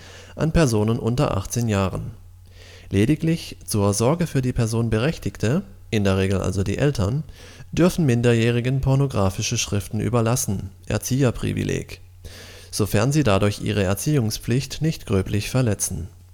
Personen unter 18 Jahren. Lediglich „ zur Sorge für die Person Berechtigte “, in der Regel also die Eltern, dürfen Minderjährigen pornografische Schriften überlassen (Erzieherprivileg), sofern sie dadurch ihre Erziehungspflicht nicht gröblich verletzen